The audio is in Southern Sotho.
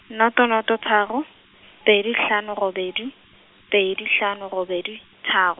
noto noto tharo, pedi hlano robedi, pedi hlano robedi tharo.